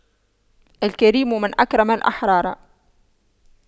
الكريم من أكرم الأحرار